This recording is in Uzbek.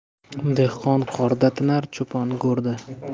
dehqon qorda tinar cho'pon go'rda